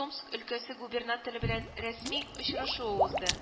Томск өлкәсе губернаторы белән рәсми очрашуы узды